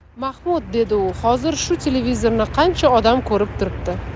mahmud dedi u hozir shu televizorni qancha odam ko'rib turibdi